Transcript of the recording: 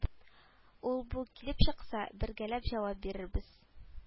Ул-бу килеп чыкса бергәләп җавап бирербез